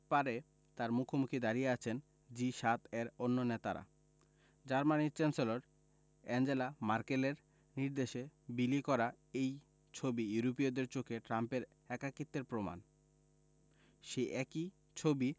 পারে তাঁর মুখোমুখি দাঁড়িয়ে আছেন জি ৭ এর অন্য নেতারা জার্মানির চ্যান্সেলর আঙ্গেলা ম্যার্কেলের নির্দেশে বিলি করা এই ছবি ইউরোপীয়দের চোখে ট্রাম্পের একাকিত্বের প্রমাণ সেই একই ছবি